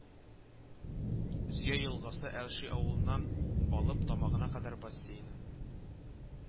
Зөя елгасы Әлши авылыннан алып тамагына кадәр бассейны